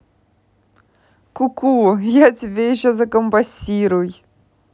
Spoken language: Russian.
куку я тебе еще за компассируй